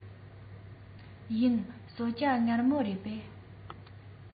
ཡིན གསོལ ཇ མངར མོ རེད པས